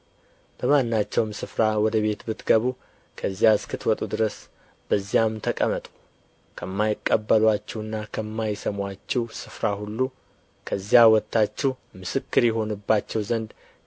በማናቸውም ስፍራ ወደ ቤት ብትገቡ ከዚያ እስክትወጡ ድረስ በዚያው ተቀመጡ ከማይቀበሉአችሁና ከማይሰሙአችሁ ስፍራ ሁሉ ከዚያ ወጥታችሁ ምስክር ይሆንባቸው ዘንድ